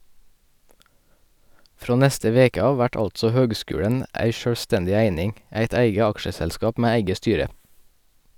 Frå neste veke av vert altså høgskulen ei sjølvstendig eining, eit eige aksjeselskap med eige styre.